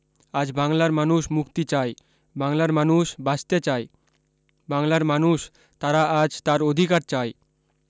আজ বাংলার মানুষ মুক্তি চায় বাংলার মানুষ বাঁচতে চায় বাংলার মানুষ তারা আজ তার অধিকার চায়